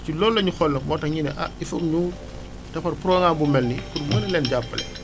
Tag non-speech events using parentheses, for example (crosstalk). ci loolu la ñu xool nag moo tax ñu ne ah il foog ñu defar programme bu mel nii (noise) pour mën leen jàppale